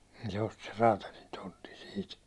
niin se osti sen räätälin tontin siitä